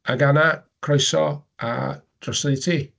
Ac Anna, croeso a drosodd i ti.